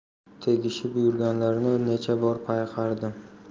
tegishib yurganlarini necha bor payqardim